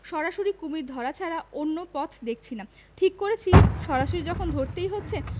সরাসরি কুমীর ধরা ছাড়া অন্য পথ দেখছি না ঠিক করেছি সরাসরি যখন ধরতেই হচ্ছে